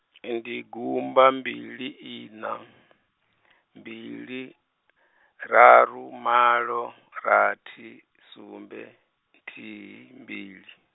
ndi gumba mbili ina, mbili, raru, malo, rathi, sumbe, nthihi, mbili.